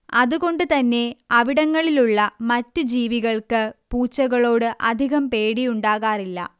അതുകൊണ്ട് തന്നെ അവിടങ്ങളിലുള്ള മറ്റ് ജീവികൾക്ക് പൂച്ചകളോട് അധികം പേടിയുണ്ടാകാറില്ല